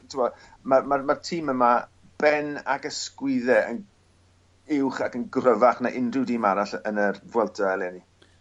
t'mo' ma' ma' ma'r tîm yma ben ac ysgwydde yn uwch ac yn gryfach na unrhyw dîm arall yn yr Vuelta eleni.